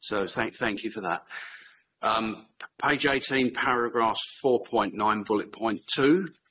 So, thank you for that. Yym page eighteen, paragraph four point nine, bullet point two.